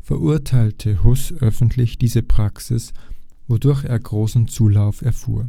verurteilte Hus öffentlich diese Praxis, wodurch er großen Zulauf erfuhr.